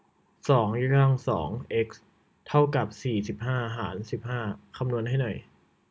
สองยกกำลังสองเอ็กซ์เท่ากับสี่สิบห้าหารสิบห้าคำนวณให้หน่อย